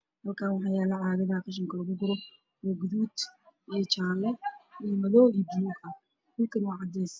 Halkaan waxaa yaalo caagadaha qashinka lugu guro kalarkoodu waa gaduud iyo jaale, madow iyo buluug, dhulkana waa cadeys.